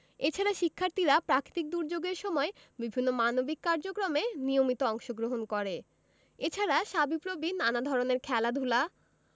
এছাড়া শিক্ষার্থীরা প্রাকৃতিক দূর্যোগের সময় বিভিন্ন মানবিক কার্যক্রমে নিয়মিত অংশগ্রহণ করে এছাড়া সাবিপ্রবি নানা ধরনের খেলাধুলা